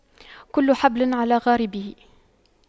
كل حبل على غاربه